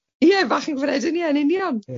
Ie bach yn gyffredin ie yn union.